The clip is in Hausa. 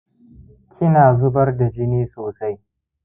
kina zubar da jini sosai